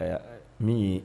Ayiwa min ye